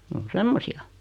ne on semmoisia